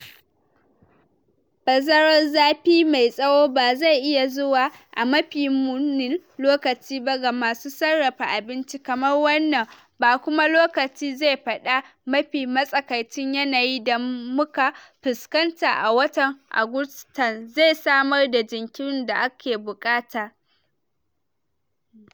Bazarar zafi mai tsawo ba zai iya zuwa a mafi munin lokaci ba ga masu sarrafa abinci kamar wannan ba kuma lokaci zai fada mafi matsakaicin yanayin da muka fuskanta a watan Agustan zai samar da jinkirin da ake bukata. "